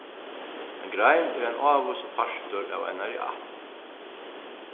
ein grein er ein ávísur partur av einari ætt